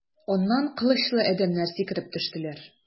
Аннан кылычлы адәмнәр сикереп төштеләр.